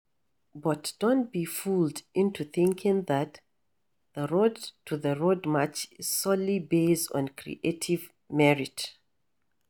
But don't be fooled into thinking that the road to the Road March is solely based on creative merit.